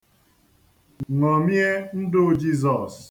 Ṅomie ndụ Jizọs.